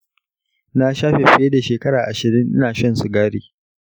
na shafe fiye da shekara ashirin ina shan sigari.